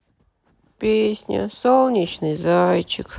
песня солнечный зайчик